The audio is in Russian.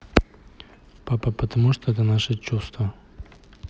папа потому что это наше чувство